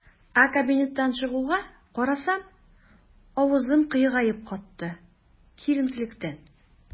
Ә кабинеттан чыгуга, карасам - авызым кыегаеп катты, киеренкелектән.